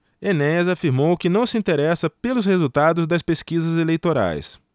enéas afirmou que não se interessa pelos resultados das pesquisas eleitorais